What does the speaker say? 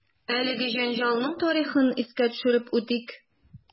Әлеге җәнҗалның тарихын искә төшереп үтик.